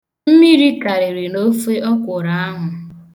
Mmiri karịrị n' ofe ọkwụrụ ahụ.